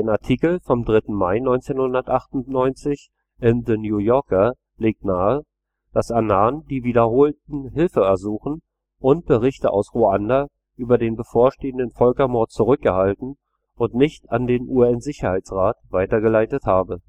Artikel vom 3. Mai 1998 in The New Yorker legt nahe, dass Annan die wiederholten Hilfsersuchen und Berichte aus Ruanda über den bevorstehenden Völkermord zurückgehalten und nicht an den UN-Sicherheitsrat weitergeleitet habe